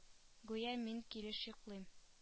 Гүя мин килеш йоклыйм